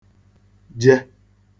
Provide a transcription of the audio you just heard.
je